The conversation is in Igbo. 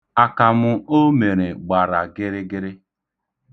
Akamụ ọ mere gbara gịrịgịrị.